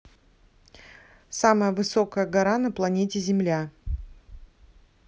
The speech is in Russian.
самая высокая гора на планете земля